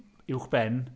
Uwchben?